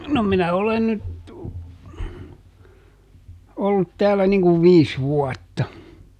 no minä olen nyt ollut täällä niin kuin viisi vuotta